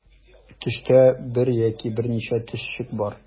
Төштә бер яки берничә төшчек була.